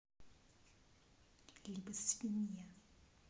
либо свинья